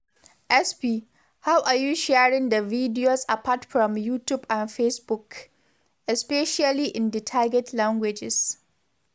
SP: How are you sharing the videos apart from YouTube and Facebook, especially in the target languages?